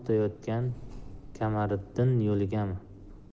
pinxon tutayotgani kamariddin yo'ligami